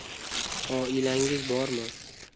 oilangiz bormi